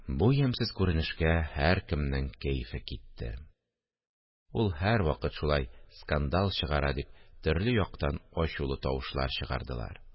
Бу ямьсез күренешкә һәркемнең кәефе китте: – Ул һәрвакыт шулай скандал чыгара! – дип, төрле яктан ачулы тавышлар чыгардылар